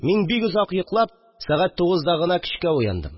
Мин, бик озак йоклап, сәгать тугызда гына көчкә уяндым